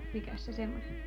mikäs se semmoinen on